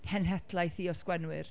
nghenhedlaeth i o sgwennwyr.